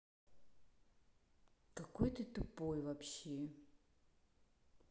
какой ты тупой вообще